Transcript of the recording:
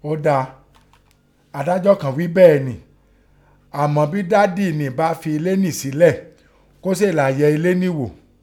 Ọ́ dáa, adájọ́ kàn ghí i bẹ́ẹ̀ nẹ, àmọ́ bẹn dádì ni bá fẹn ẹlé ni sẹ́lẹ̀, kọ́ sèè lá yẹ ẹlé ni wò.